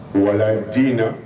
Wala ji in na